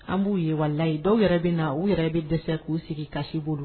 An b'u ye walayi dɔw yɛrɛ bɛna na u yɛrɛ bɛ dɛsɛ k'u sigi kasisi bolo